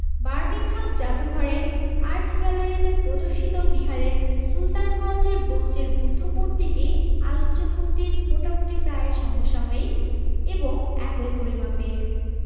Birmingham জাদুঘরের আর্টগ্যালারিতে প্রদর্শিত বিহারের সুলতানগঞ্জের ব্রোঞ্জের বুদ্ধ মূর্তিটি আলোচ্য মূর্তির মোটামুটি প্রায় সমসাময়িক এবং একই পরিমাপের